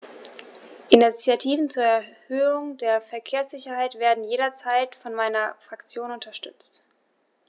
Initiativen zur Erhöhung der Verkehrssicherheit werden jederzeit von meiner Fraktion unterstützt.